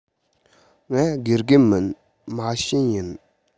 ང དགེ རྒན མིན མ བྱན ཡིན